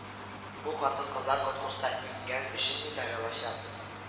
Бу хатын-кызлар конкурста иңгән өчен медаль алачак